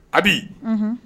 Habi unhun